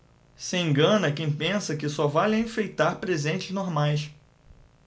se engana quem pensa que só vale enfeitar presentes normais